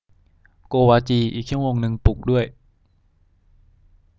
โกวาจีอีกชั่วโมงนึงปลุกด้วย